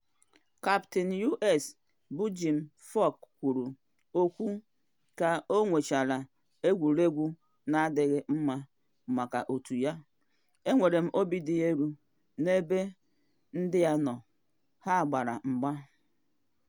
Kaptịn US bụ Jim Furyk kwuru okwu ka ọ nwechara egwuregwu na adịghị mma maka otu ya, “Enwere m obi dị elu n’ebe ndị a nọ, ha gbara mgba.